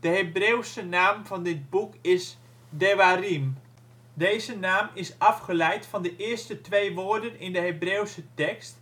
De Hebreeuwse naam van dit boek is Dewariem (דברים). Deze naam is afgeleid van de eerste twee woorden in de Hebreeuwse tekst: